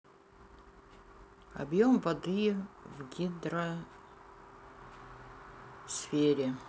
объем воды в гидросфере